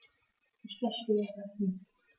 Ich verstehe das nicht.